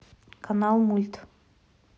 канал мульт